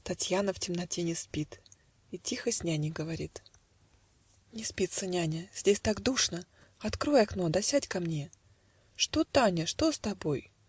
Татьяна в темноте не спит И тихо с няней говорит: "Не спится, няня: здесь так душно! Открой окно да сядь ко мне". - Что, Таня, что с тобой?